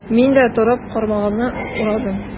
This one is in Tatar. Мин дә, торып, кармагымны урадым.